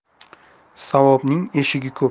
savobning eshigi ko'p